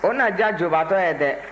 o na diya jubaatɔ ye dɛ